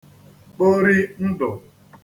kpori ndụ̀